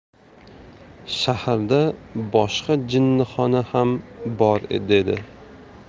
shaharda boshqa jinnixona ham bor dedi